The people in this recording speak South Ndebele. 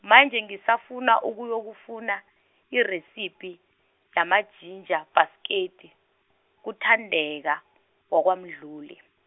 manje ngisafuna ukuyokufuna, iresiphi, yamajinja bhasketi, kuThandeka, waKwaMdluli.